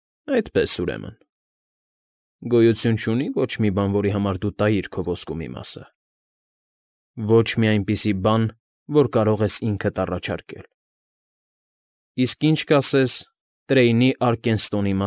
Այդպես, ուրեմն, գոյություն չունի՞ ոչ մի բան, որի համար դու տայիր քո ոսկու մի մասը։ ֊ Ոչ մի այնպիսի բան, որ կարող ես ինքդ առաջարկել։ ֊ Իսկ ի՞նչ կասես Տրեյնի Արկենստոնի։